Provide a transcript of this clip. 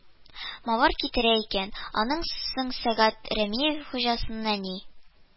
Мавыр китерә икән, аннан соң сәгыйть рәмиев, хуҗаның нәни